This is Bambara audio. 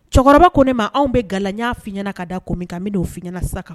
Cɛkɔrɔba ko ne maa anw bɛ gaya fy ɲɛnaɲɛna ka da kunmi kan min don f ɲɛnaɲɛna sa kan